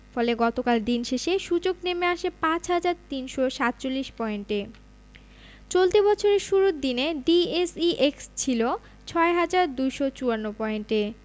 ফলে গতকাল দিন শেষে সূচক নেমে আসে ৫ হাজার ৩৪৭ পয়েন্টে চলতি বছরের শুরুর দিনে ডিএসইএক্স ছিল ৬ হাজার ২৫৪ পয়েন্টে